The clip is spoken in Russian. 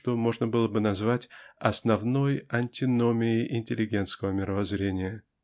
что можно было бы назвать основной антиномией интеллигентского мировоззрения